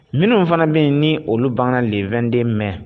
Minnu fana bɛ yen ni olu bange la le 22 mai